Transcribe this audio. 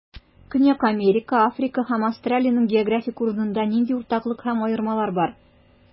Көньяк Америка, Африка һәм Австралиянең географик урынында нинди уртаклык һәм аермалар бар?